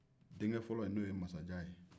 denkɛ fɔlɔ n'o ye masajan ye